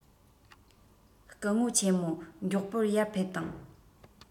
སྐུ ངོ ཆེན མོ མགྱོགས པོ ཡར ཕེབས དང